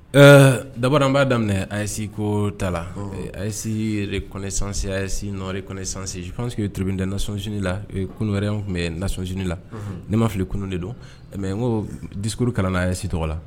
Ɛɛ dabɔra n b'a daminɛ ayisi ko ta la ayisire sansisi n nɔreɛ sansi ye tubi tɛ naonsla kunu wɛrɛ tun bɛ naons la ni ma fili kunun de don n ko dik kalan' a ye si tɔgɔ la